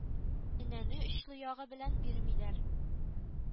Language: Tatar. Энәне очлы ягы белән бирмиләр